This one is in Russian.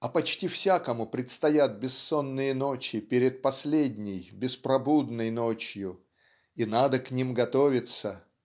а почти всякому предстоят бессонные ночи перед последней беспробудной ночью и надо к ним готовиться.